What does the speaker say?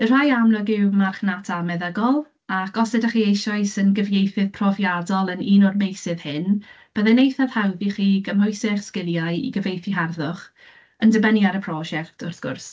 Y rhai amlwg yw marchnata meddygol, ac os ydych chi eisoes yn gyfieithydd profiadol yn un o'r meysydd hyn, byddai'n eithaf hawdd i chi gymhwyso eich sgiliau i gyfieithu harddwch, yn dibynnu ar y prosiect wrth gwrs.